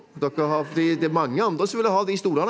dere har fordi det er mange andre som ville ha de stolene.